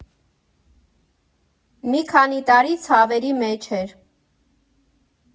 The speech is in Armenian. Մի քանի տարի ցավերի մեջ էր։